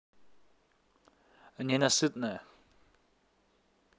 ненасытная